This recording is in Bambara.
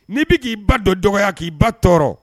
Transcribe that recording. N'i bɛ k'i ba dɔ dɔgɔya k'i ba tɔɔrɔ